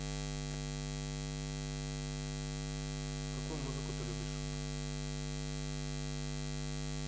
какую музыку ты любишь